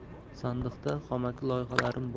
sandiqda xomaki loyihalarim